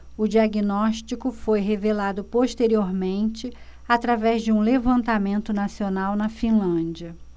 o diagnóstico foi revelado posteriormente através de um levantamento nacional na finlândia